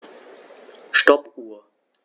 Stoppuhr.